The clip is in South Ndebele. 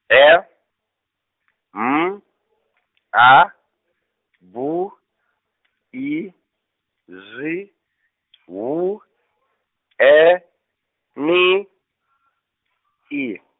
E, M, A, B, I, Z, W , E, N , I.